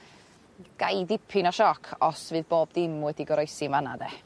gai dipyn o sioc os fydd bob dim wedi goroesi man 'na 'de.